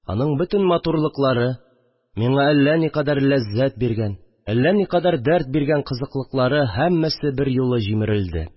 Аның бөтен матурлыклары, миңа әллә никадәр ләззәт биргән, әллә никадәр дәрт биргән кызыклыклары һәммәсе берьюлы җимерелде